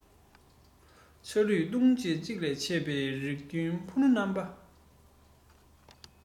ཤ རུས གདོང རྒྱུད གཅིག ལས ཆད པའི རིགས མཐུན ཕུ ནུ རྣམས པ